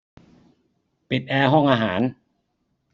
ปิดแอร์ห้องอาหาร